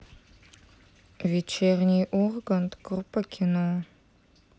вечерний ургант группа кино